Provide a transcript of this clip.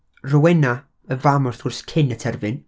Rowena, y fam, wrth gwrs, cyn y terfyn.